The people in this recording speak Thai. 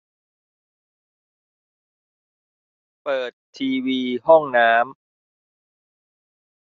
เปิดทีวีห้องน้ำ